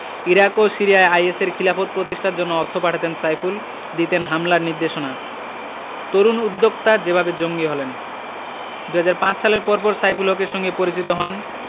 Iraq ও সিরিয়ায় আইএসের খিলাফত প্রতিষ্ঠার জন্য অর্থ পাঠাতেন সাইফুল দিতেন হামলার নির্দেশনা তরুণ উদ্যোক্তা যেভাবে জঙ্গি হলেন ২০০৫ সালের পরপর সাইফুল হকের সঙ্গে পরিচিত হন